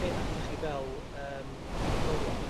be nathach chi fel yym unigolion.